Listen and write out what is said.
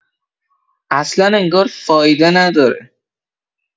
اصلا انگار فایده نداره